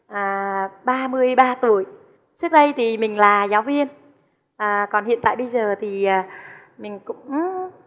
à ba mươi ba tuổi trước đây thì mình là giáo viên à còn hiện tại bây giờ thì mình cũng